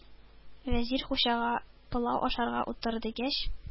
Вәзир Хуҗага, пылау ашарга утыр, дигәч,